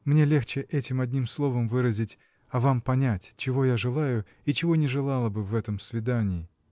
Мне легче этим одним словом выразить, а вам понять, чего я желаю и чего не желала бы в этом свидании.